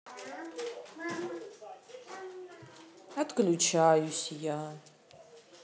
отключаюсь я